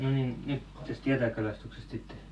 no niin nyt tästä jatakalastuksesta sitten